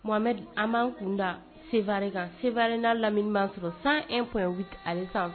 Mohamed an b'an kunda Sevaré kan, Sevaré n'a lamini b'an sɔrɔ 101 point 8 ale sanfɛ.